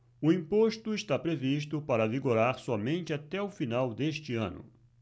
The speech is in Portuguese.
o imposto está previsto para vigorar somente até o final deste ano